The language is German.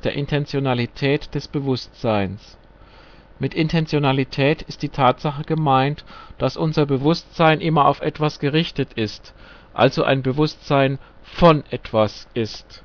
der Intentionalität des Bewusstseins. Mit Intentionalität ist die Tatsache gemeint, dass unser Bewusstsein immer auf etwas gerichtet ist, also ein Bewusstsein " von etwas " ist.